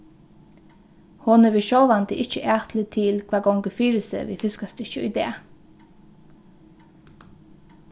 hon hevur sjálvandi ikki atlit til hvat gongur fyri seg við fiskastykkið í dag